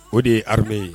O de ye hame ye